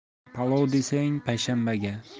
palov desang payshanbaga